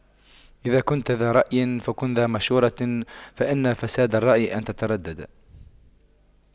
إذا كنتَ ذا رأيٍ فكن ذا مشورة فإن فساد الرأي أن تترددا